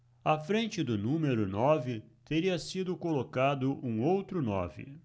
à frente do número nove teria sido colocado um outro nove